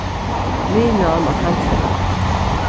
miðnám á kambsdali